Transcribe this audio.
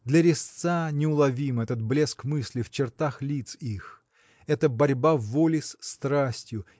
Для резца неуловим этот блеск мысли в чертах лиц их эта борьба воли с страстью